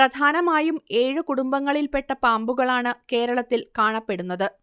പ്രധാനമായും ഏഴ് കുടുംബങ്ങളിൽപ്പെട്ട പാമ്പുകളാണ് കേരളത്തിൽ കാണപ്പെടുന്നത്